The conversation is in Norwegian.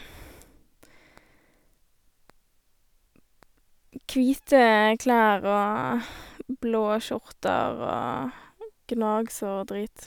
Kvite klær og blåe skjorter og gnagsår og drit.